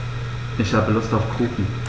Ich habe Lust auf Kuchen.